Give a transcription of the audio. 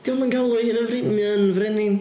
Dydy o ddim yn galw eu hun yn frenin, mae o yn frenin.